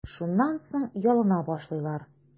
Шуннан соң ялына башлыйлар.